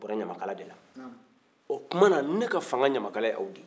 a bɔra ɲamakala de la o tumana ne ka fanga ɲamakala ye aw de ye